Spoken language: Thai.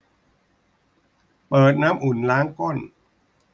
เปิดน้ำอุ่นล้างก้น